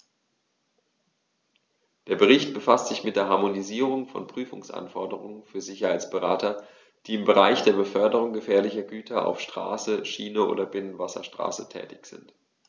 Der Bericht befasst sich mit der Harmonisierung von Prüfungsanforderungen für Sicherheitsberater, die im Bereich der Beförderung gefährlicher Güter auf Straße, Schiene oder Binnenwasserstraße tätig sind.